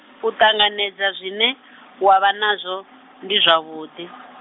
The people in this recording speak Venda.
u ṱanganedza zwine, wavha nazwo, ndi zwavhuḓi.